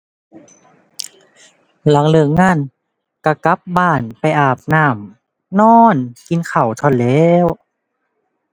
หลังเลิกงาน ก็กลับบ้านไปอาบน้ำ นอน กินข้าวเท่านั้นแหล้ว